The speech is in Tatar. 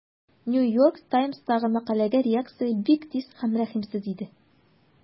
New York Times'тагы мәкаләгә реакция бик тиз һәм рәхимсез иде.